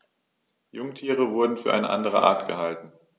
Jungtiere wurden für eine andere Art gehalten.